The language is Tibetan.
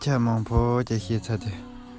འདྲ ཡང མགོ བོ གཡུག གཡུག བྱེད ཚུལ